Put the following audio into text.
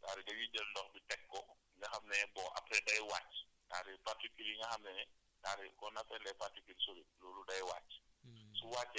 :fraest à dire dañuy jël ndox ñu teg ko nga xam ne bon après day wàcc c' est à dire particules yi nga xam ne c' est à dire qu' on appelle les particules solides loolu day wàcc